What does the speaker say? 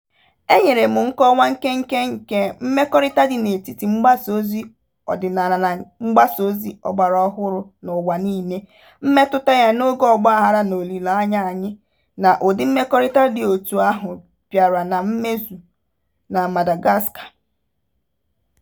E nyere m nkọwa nkenke nke mmekọrịta dị n'etiti mgbasaozi ọdịnala na mgbasaozi ọgbaraọhụrụ n'ụwa niile, mmetụta ya n'oge ọgbaghara na olileanya anyị na ụdị mmekọrịta dị otú ahụ bịara na mmezu na Madagascar.